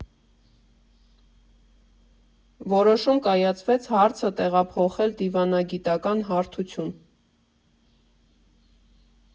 Որոշում կայացվեց հարցը տեղափոխել դիվանագիտական հարթություն։